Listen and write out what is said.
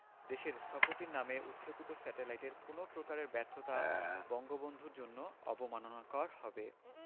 দেশের স্থপতির নামে উৎক্ষেপিত স্যাটেলাইটের কোনো প্রকারের ব্যর্থতা বঙ্গবন্ধুর জন্য অবমাননাকর হবে